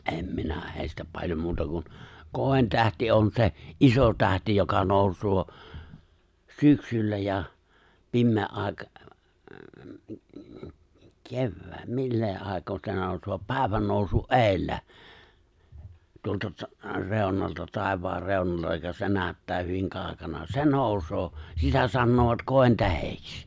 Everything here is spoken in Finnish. en minä heistä paljon muuta kuin kointähti on se iso tähti joka nousee syksyllä ja pimeän -- millä aikaa se nousee päivän nousun edellä - tuosta reunalta taivaan reunalta ja se näyttää hyvin kaukana se nousee sitä sanovat kointähdeksi